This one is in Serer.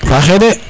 faxe de